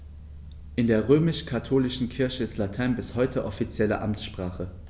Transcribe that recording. In der römisch-katholischen Kirche ist Latein bis heute offizielle Amtssprache.